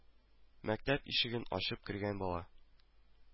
Мәктәп ишеген ачып кергән бала